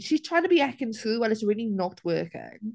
She's trying to be Ekin Su and it's really not working.